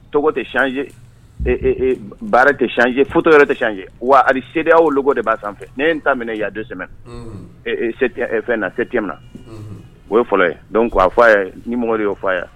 Tɔgɔ tɛ baara tɛcji yɛrɛ tɛc ye wa se' de b'a sanfɛ ne ye n'a minɛ ya dɛsɛ sɛmɛ fɛn na se teɛna o ye fɔlɔ ye dɔn k' a f fɔ a ye nimɔgɔ y' f fɔ a ye